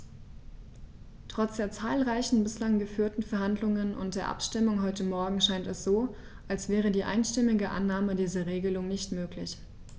Trotz der zahlreichen bislang geführten Verhandlungen und der Abstimmung heute Morgen scheint es so, als wäre die einstimmige Annahme dieser Regelung nicht möglich.